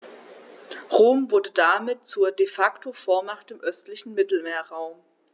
Rom wurde damit zur ‚De-Facto-Vormacht‘ im östlichen Mittelmeerraum.